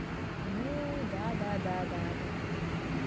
ну да да да да да